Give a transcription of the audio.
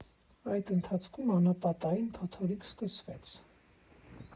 Այդ ընթացքում անապատային փոթորիկ սկսվեց։